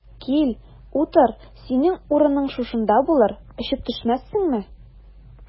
Кил, утыр, синең урының шушында булыр, очып төшмәссеңме?